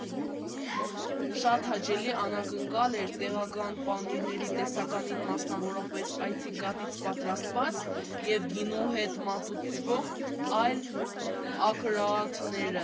Շատ հաճելի անակնկալ էր տեղական պանիրների տեսականին՝ մասնավորապես այծի կաթից պատրաստված և գինու հետ մատուցվող այլ ակրատները։